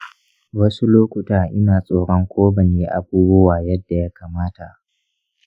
wasu lokuta ina tsoron ko ban yin abubuwa yadda ya kamata.